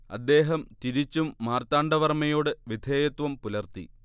അദ്ദേഹം തിരിച്ചും മാർത്താണ്ഡ വർമ്മയോട് വിധേയത്വം പുലർത്തി